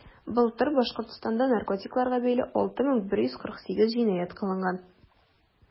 Былтыр Башкортстанда наркотикларга бәйле 6148 җинаять кылынган.